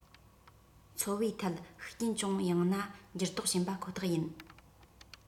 འཚོ བའི ཐད ཤུགས རྐྱེན ཅུང ཡང ན འགྱུར ལྡོག བྱིན པ ཁོ ཐག ཡིན